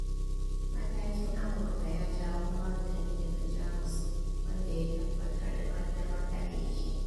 Matakin Amurka ya jawo martani daga Jamus, wanda ya tabbatar da ƙaddamar da aikin.